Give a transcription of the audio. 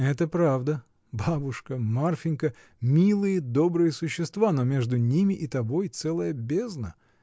— Это правда: бабушка, Марфинька — милые, добрые существа, но между ними и тобой целая бездна.